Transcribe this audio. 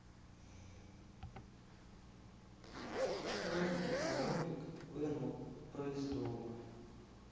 нубики про нубик выгнал про из дома